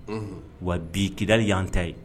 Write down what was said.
Wa bi kidali y yan ta ye